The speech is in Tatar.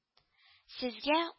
- сезгә